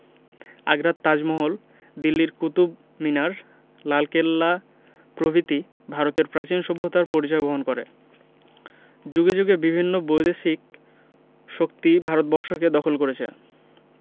আগ্রার তাজমহল দিল্লির কুতুব মিনার লালকেল্লা প্রভৃতি ভারতের প্রাচীন সভ্যতার পরিচয় বহন করে যুগে যুগে বিভিন্ন বৈদেশিক শক্তি ভারতবর্ষকে দখল করেছে